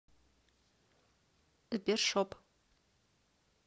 сбершоп